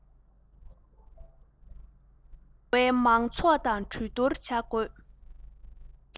སྡེ བའི མང ཚོགས དང གྲོས བསྡུར བྱ དགོས